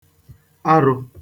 arụ̄